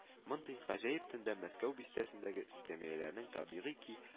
Мондый гаҗәеп төндә Мәскәү бистәсендәге эскәмияләрнең, табигый ки